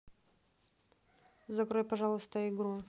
закрой пожалуйста игру